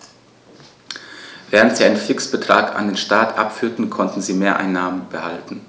Während sie einen Fixbetrag an den Staat abführten, konnten sie Mehreinnahmen behalten.